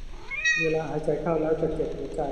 เวลาหายใจเข้าแล้วจะเจ็บหัวใจ